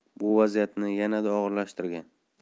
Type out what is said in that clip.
bu vaziyatni yanada og'irlashtirgan